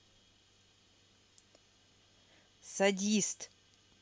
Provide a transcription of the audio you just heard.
садист